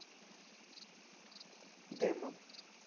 демо